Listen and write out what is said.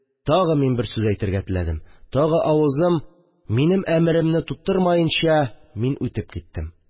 Тагы мин бер сүз әйтергә теләдем, тагы авызым минем әмеремне тутырмаенча, мин үтеп киттем